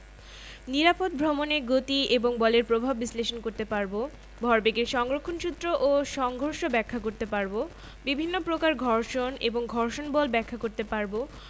নিরাপদ ভ্রমণে গতি এবং বলের প্রভাব বিশ্লেষণ করতে পারব ভরবেগের সংরক্ষণ সূত্র ও সংঘর্ষ ব্যাখ্যা করতে পারব বিভিন্ন প্রকার ঘর্ষণ এবং ঘর্ষণ বল ব্যাখ্যা করতে পারব